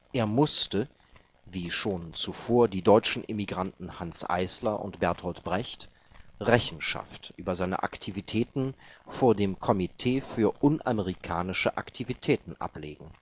Er musste (wie schon zuvor die deutschen Emigranten Hanns Eisler und Bertolt Brecht) Rechenschaft über seine Aktivitäten vor dem Komitee für unamerikanische Aktivitäten ablegen